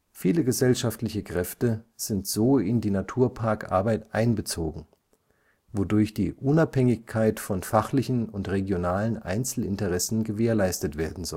Viele gesellschaftliche Kräfte sind so in die Naturparkarbeit einbezogen, wodurch die Unabhängigkeit von fachlichen und regionalen Einzelinteressen gewährleistet werden